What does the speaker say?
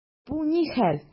Бу ни хәл!